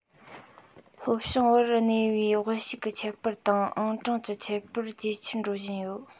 ལྷོ བྱང བར གནས པའི དབུལ ཕྱུག གི ཁྱད པར དང ཨང གྲངས ཀྱི ཁྱད པར ཇེ ཆེར འགྲོ བཞིན ཡོད